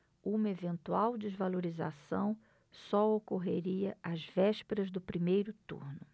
uma eventual desvalorização só ocorreria às vésperas do primeiro turno